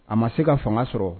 A ma se ka fanga sɔrɔ